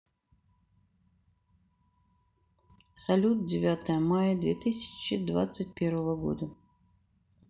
салют девятое мая две тысячи двадцать первого года